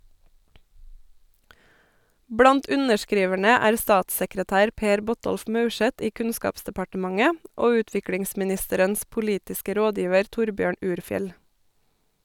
Blant underskriverne er statssekretær Per Botolf Maurseth i Kunnskapsdepartementet og utviklingsministerens politiske rådgiver Torbjørn Urfjell.